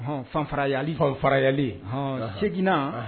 ɔhɔn, ,fanfayali, faralen. 8 nan